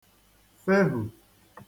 fehù